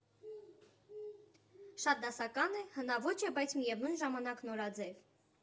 Շատ դասական է, հնաոճ է, բայց միևնույն ժամանակ՝ նորաձև։